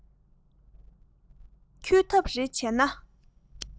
འཁྱོལ ཐབས རེ བྱས ན